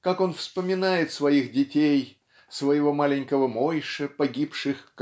как он вспоминает своих детей своего маленького Мойшу погибших